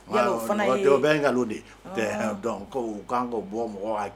Fana de' ka bɔ mɔgɔw' kɛ